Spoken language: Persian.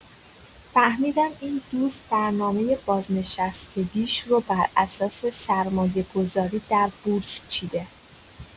فهمیدم این دوست برنامۀ بازنشستگیش رو بر اساس سرمایه‌گذاری در بورس چیده.